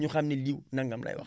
ñu xam ne lii nangam lay wax